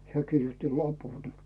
se kirjoitti lapun